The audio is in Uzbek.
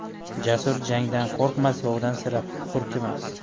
jasur jangdan qo'rqmas yovdan sira hurkmas